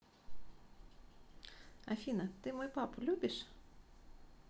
афина ты мой папу любишь